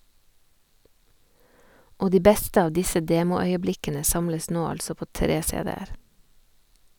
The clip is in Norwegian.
Og de beste av disse demoøyeblikkene samles nå altså på tre cd-er.